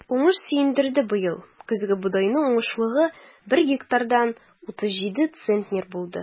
Уңыш сөендерде быел: көзге бодайның уңышлылыгы бер гектардан 37 центнер булды.